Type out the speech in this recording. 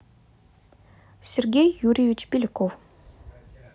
сергей юрьевич беляков